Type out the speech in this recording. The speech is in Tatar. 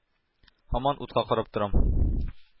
Һаман утка карап торам.